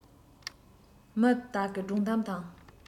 མི དག གིས སྒྲུང གཏམ དང